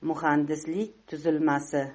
muhandislik tuzilmasi